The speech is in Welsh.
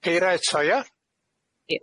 Heira eto ia?